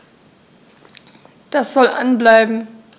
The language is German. Das soll an bleiben.